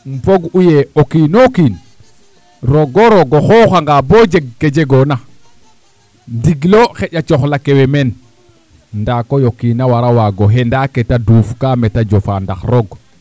um foogu yee o kiin o kiin roog o roog o xooxanga bou jeg ke jegoona ndiglo xaƴa coxla ke owey meen ndaa koy o kiin a war a waago xenda keeta duuf kaa meeta jofa ndax roog